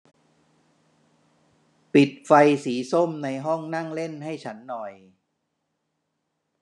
ปิดไฟสีส้มในห้องนั่งเล่นให้ฉันหน่อย